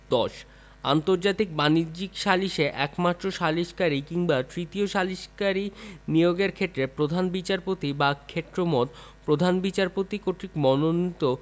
১০ আন্তর্জাতিক বাণিজ্যিক সালিসে একমাত্র সালিসকারী কিংবা তৃতীয় সালিসকারী নিয়োগের ক্ষেত্রে প্রধান বিচারপতি বা ক্ষেত্রমত প্রধান বিচারপতি কর্তৃক মনোনীত